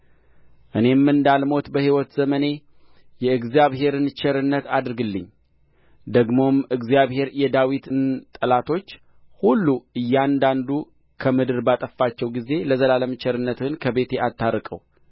እኔም እንዳልሞት በሕይወቴ ዘመን የእግዚአብሔርን ቸርነት አድርግልኝ ደግሞም እግዚአብሔር የዳዊትን ጠላቶች ሁሉ እያንዳንዱ ከምድር ባጠፋቸው ጊዜ ለዘላለም ቸርነትህን ከቤቴ አታርቀው